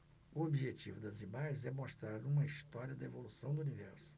o objetivo das imagens é mostrar uma história da evolução do universo